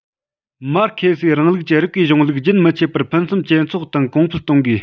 མར ཁེ སིའི རིང ལུགས ཀྱི རིགས པའི གཞུང ལུགས རྒྱུན མི འཆད པར ཕུན སུམ ཇེ ཚོགས དང གོང འཕེལ གཏོང དགོས